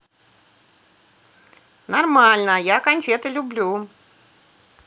нормально я конфеты люблю